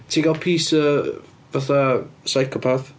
Ti'n cael piece o fatha psychopath.